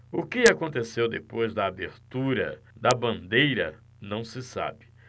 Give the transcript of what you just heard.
o que aconteceu depois da abertura da bandeira não se sabe